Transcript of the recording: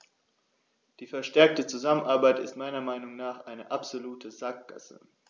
Die verstärkte Zusammenarbeit ist meiner Meinung nach eine absolute Sackgasse.